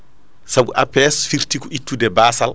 saabu APS firti ko ittude basall